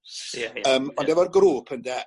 S-... Ie ie ie. ...ym ond efo'r grŵp ynde